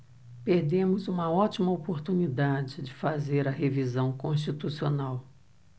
perdemos uma ótima oportunidade de fazer a revisão constitucional